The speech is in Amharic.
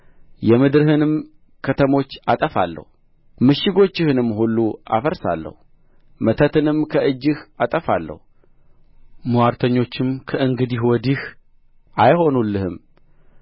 የምድርህንም ከተሞች አጠፋለሁ ምሽጎችህንም ሁሉ አፈርሳለሁ መተትንም ከእጅህ አጠፋለሁ ምዋርተኞችም ከእንግዲህ ወዲህ አይሆኑልህም